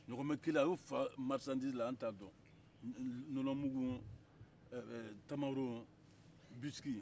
ɲaamɛ kelen a y'o fa feerek minɛn na an ta dɔn nɔnɔmugu tamaro bisiki